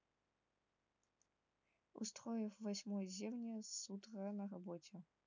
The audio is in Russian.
устроив восьмой зевни с утра на работе